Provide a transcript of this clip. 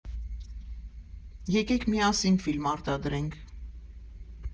Եկեք միասի՛ն ֆիլմ արտադրենք։